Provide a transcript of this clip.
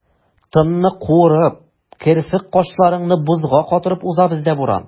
Тынны куырып, керфек-кашларыңны бозга катырып уза бездә буран.